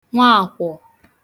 Nwaakwọ